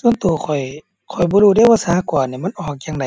ส่วนตัวข้อย ข้อยบ่รู้เดะว่าสหกรณ์เนี่ยมันออกจั่งใด